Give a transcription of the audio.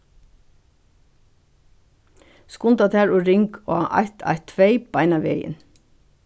skunda tær og ring á eitt eitt tvey beinanvegin